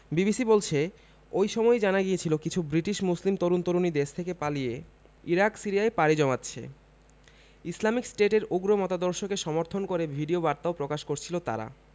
BBC বলছে ওই সময়ই জানা গিয়েছিল কিছু ব্রিটিশ মুসলিম তরুণ তরুণী দেশ থেকে পালিয়ে ইরাক সিরিয়ায় পাড়ি জমাচ্ছে ইসলামিক স্টেটের উগ্র মতাদর্শকে সমর্থন করে ভিডিওবার্তাও প্রকাশ করছিল তারা